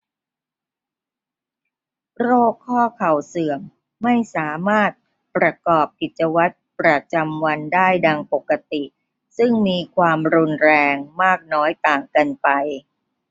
โรคข้อเข่าเสื่อมไม่สามารถประกอบกิจวัตรประจำวันได้ดังปกติซึ่งมีความรุนแรงมากน้อยต่างกันไป